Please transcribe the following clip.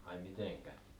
ai miten